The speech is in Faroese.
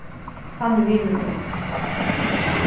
hann er vinur mín